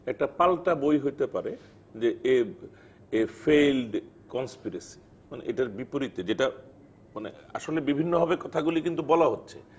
একটা পাল্টা বই হতে পারে যে এ ফেইল্ড কন্সপিরেসি মানে এটা বিপরীতে যেটা মানে আসলে বিভিন্নভাবে কথাগুলি কিন্তু বলা হচ্ছে